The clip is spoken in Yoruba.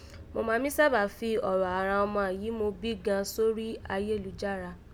Mo máa mí sábà fi ọ̀rọ̀ àghan ọma yìí mo bí gan sórígho ayélujára